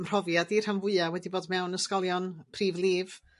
mhrofiad i rhan fwya' wedi bod mewn ysgolion prif lif,